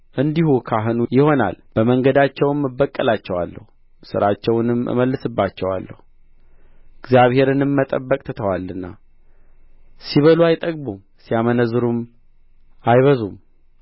እንዲሁ ካህኑ ይሆናል በመንገዳቸውም እበቀላቸዋለሁ ሥራቸውንም እመልስባቸዋለሁ እግዚአብሔርንም መጠበቅ ትተዋልና ሲበሉ አይጠግቡም ሲያመነዝሩም አይበዙም